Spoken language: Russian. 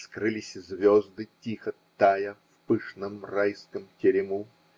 Скрылись звезды, тихо тая, В пышном райском терему.